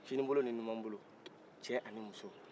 kinibolo ni numabolo cɛ ani muso